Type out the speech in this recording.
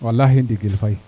walahi ndigil Faye